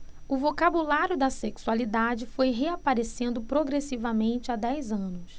o vocabulário da sexualidade foi reaparecendo progressivamente há dez anos